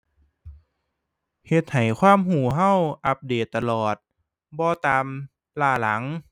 เฮ็ดให้ความรู้รู้อัปเดตตลอด บ่ตามล้าหลัง